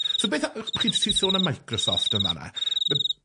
So beth a- yy chi'n ti'n sôn am Microsoft yn fan 'na, b-